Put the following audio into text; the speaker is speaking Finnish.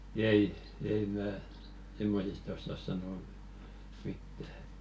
ei ei minä semmoisista osaa sanoa mitään että